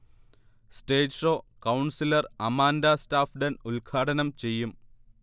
stage show councillor Amanda സ്റ്റാഫ്ഡൺ ഉൽഘാടനം ചെയ്യും